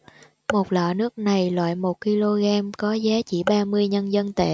một lọ nước này loại một ki lô gam có giá chỉ ba mươi nhân dân tệ